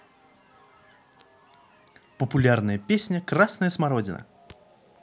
популярная песня красная смородина